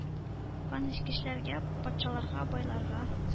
— канечкечләргә: патшаларга, байларга,